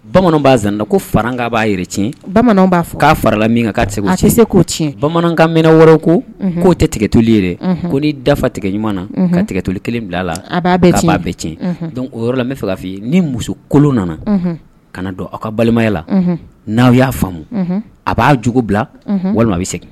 Bamananw' ko fara k'a b'a yɛrɛ tiɲɛ bamananw b'a k'a farala min kan' segin a tɛ se k'o ti bamanankan mɛn wɔɔrɔw ko k'o tɛ tigɛ toli yɛrɛ ko n'i dafa tigɛ ɲuman na ka tiga toli kelen bila a la bɛɛ b'a bɛɛ tiɲɛ don o yɔrɔ la n bɛ fɛ kaa fɔ ni muso kolo nana kana na dɔn aw ka balimayala n'aw y'a faamu a b'a jugu bila walima a bɛ segin